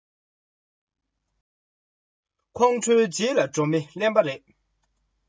བསམ བློ སྔོན ལ ཐོངས ན མཁས པ དང